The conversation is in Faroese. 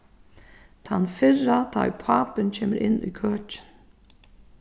tann fyrra tá ið pápin kemur inn í køkin